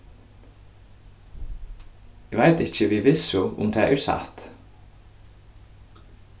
eg veit ikki við vissu um tað er satt